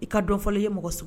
I ka dɔn fɔlɔ ye mɔgɔ